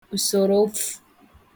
ùsòròofū